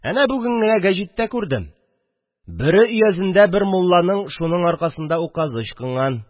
Әнә бүген генә гәҗиттә күрдем: Бөре өязендә бер мулланың шуның, аркасында указы ычкынган